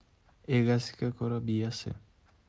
egasiga ko'ra biyasi